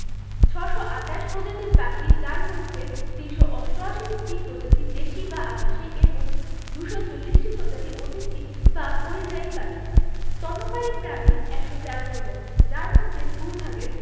৬২৮ প্রজাতির পাখি যার মধ্যে ৩৮৮টি প্রজাতি দেশী বা আবাসিক এবং ২৪০ টি প্রজাতি অতিথি বা পরিযায়ী পাখি স্তন্যপায়ী প্রাণী ১১৩ প্রজাতির যার মধ্যে ভূ ভাগের